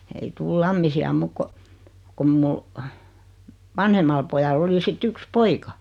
ei tule Lammisia muuta kuin kun minun vanhemmalla pojalla oli sitten yksi poika